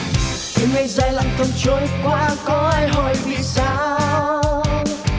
từng ngày dài lặng thầm trôi qua có ai hỏi vì sao